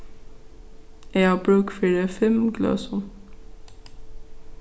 eg havi brúk fyri fimm gløsum